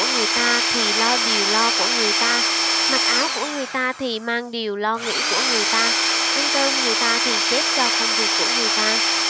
người ta thì lo điều lo của người ta mặc áo của người ta thì mang điều lo nghĩ của người ta ăn cơm người ta thì chết cho công việc của người ta